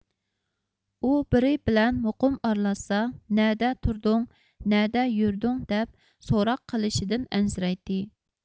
ئۇ بىرى بىلەن مۇقىم ئارىلاشسا نەدە تۇردۇڭ نەدە يۈردۈڭ دەپ سوراق قىلىشىدىن ئەنسىرەيتتى